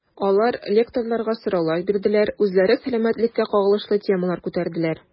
Алар лекторларга сораулар бирделәр, үзләре сәламәтлеккә кагылышлы темалар күтәрделәр.